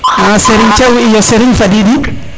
a Serigne Thiaw iyo Serigne fadidi